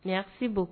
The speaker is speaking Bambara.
Yan sibon